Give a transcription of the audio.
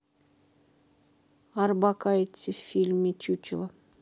орбакайте в фильме чучело